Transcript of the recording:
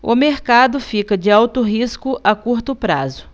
o mercado fica de alto risco a curto prazo